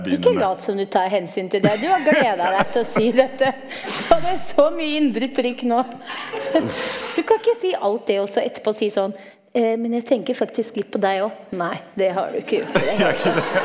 ikke lat som du tar hensyn til det, du har gledet deg til å si dette , hadde så mye indre trykk nå du kan ikke si alt det også etterpå si sånn men jeg tenker faktisk litt på deg óg nei det har du ikke gjort i det hele tatt.